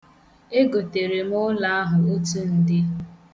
E gotere m ụlọ ahụ otu nde.